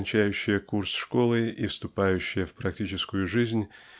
кончающие курс школы и вступающие в практическую жизнь